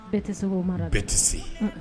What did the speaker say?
Bɛɛ tɛ se k'o mara dɛ. Bɛɛ tɛ se